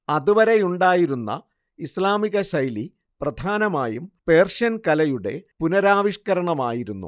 അതുവരെയുണ്ടായിരുന്ന ഇസ്ലാമികശൈലി പ്രധാനമായും പേർഷ്യൻ കലയുടെ പുനരാവിഷ്കരണമായിരുന്നു